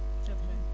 c' est vrai